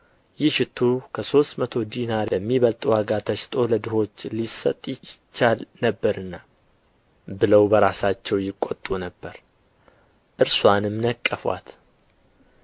ይህ ሽቱ ከሦስት መቶ ዲናር በሚበልጥ ዋጋ ተሽጦ ለድሆች ሊሰጥ ይቻል ነበርና ብለው በራሳቸው ይቈጡ ነበር እርስዋንም ነቀፉአት